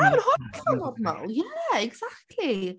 Ma'n hollol normal yeah exactly.